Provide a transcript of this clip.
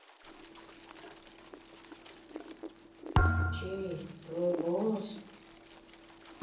чей твой голос